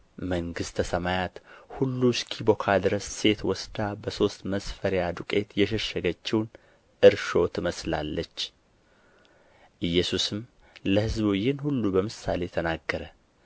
መንግሥተ ሰማያት ሁሉ እስኪቦካ ድረስ ሴት ወስዳ በሦስት መስፈሪያ ዱቄት የሸሸገችውን እርሾ ትመስላለች ኢየሱስም ለሕዝቡ ይህን ሁሉ በምሳሌ ተናገረ